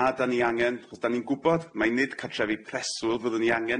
a da ni angen achos da ni'n gwbod mai nid cartrefi preswyl fyddwn ni angen